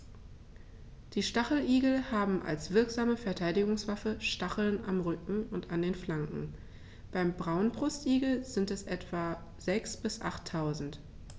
Die Stacheligel haben als wirksame Verteidigungswaffe Stacheln am Rücken und an den Flanken (beim Braunbrustigel sind es etwa sechs- bis achttausend).